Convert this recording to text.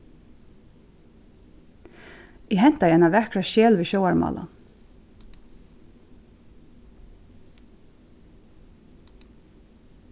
eg hentaði eina vakra skel við sjóvarmálan